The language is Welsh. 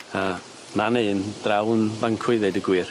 A ma' 'ne un draw yn fancw i ddeud y gwir.